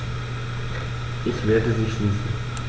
Ich werde sie schließen.